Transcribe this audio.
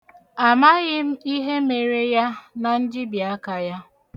Amaghị m ihe mere ya na njibiaka ya.